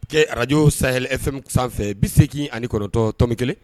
Kɛ arajo saheme sanfɛ bi seegin ani kɔrɔtɔntɔnmi kelen